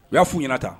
U y'a f'u ɲɛna tan